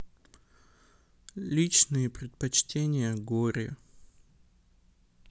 личные предпочтения горе